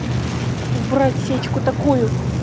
убрать сечку такую